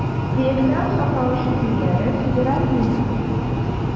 Биектау саклагычы җирләре федераль милектә.